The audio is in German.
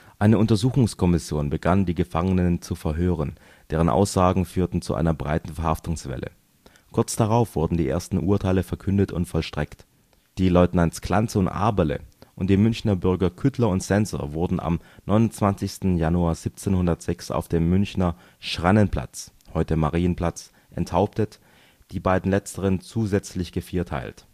Eine Untersuchungskommission begann die Gefangenen zu verhören, deren Aussagen führten zu einer breiten Verhaftungswelle. Kurz darauf wurden die ersten Urteile verkündet und vollstreckt: Die Leutnants Clanze und Aberle und die Münchner Bürger Küttler und Senser wurden am 29. Januar 1706 auf dem Münchner Schrannenplatz (heute Marienplatz) enthauptet, die beiden letzteren zusätzlich gevierteilt